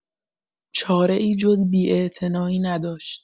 چاره‌ای جز بی‌اعتنایی نداشت.